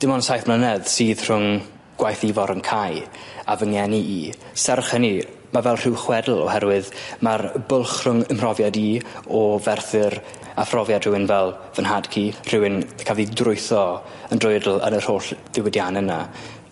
Dim ond saith mlynedd sydd rhwng gwaith Ifor yn cau a fy ngeni i. Serch hynny, ma' fel rhyw chwedl oherwydd ma'r bwlch rhwng 'ym mhrofiad i o Ferthyr a phrofiad rywun fel fy nhad cu, rhywun cafodd 'i drwytho yn drwyadl yn yr holl ddiwydianne 'na.